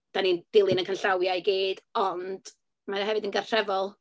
Dan ni'n dilyn y canllawiau i gyd, ond mae o hefyd yn gartrefol.